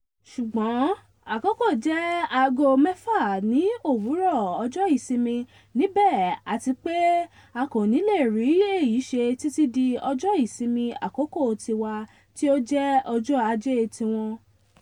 "Ṣùgbọ́n àkókò jẹ́ ààgo mẹ́fà ní òwúrọ̀ ọjọ́ ìsinmi níbẹ̀ àti pé a kò ní le rí èyí ṣe títí di ọjọ́ ìsinmi àkókò tiwa, tí ó jẹ́ ọjọ́ aje tiwọn.